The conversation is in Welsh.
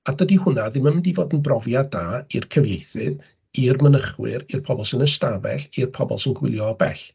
A dydy hwnna ddim yn mynd i fod yn brofiad da i'r cyfeithydd, i'r mynychwyr, i'r pobl sy'n y stafell, i'r pobl sy'n gwylio o bell.